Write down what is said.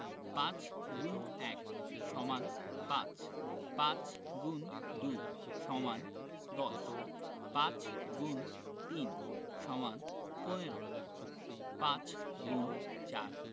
৫× ১ = ৫ ৫× ২ = ১০ ৫× ৩ = ১৫ ৫× ৪